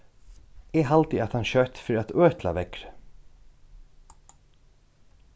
eg haldi at hann skjótt fer at øtla veðrið